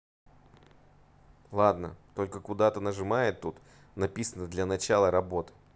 ладно только куда то нажимает тут написано для для начала работы